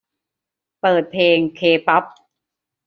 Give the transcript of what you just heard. เปิดเพลงเคป๊อป